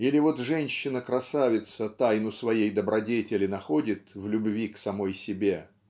Или вот женщина-красавица тайну своей добродетели находит в любви к самой себе